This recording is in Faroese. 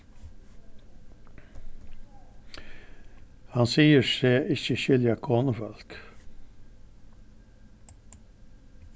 hann sigur seg ikki skilja konufólk